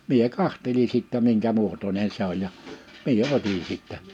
minä katselin sitten minkä muotoinen se on ja minä otin sitten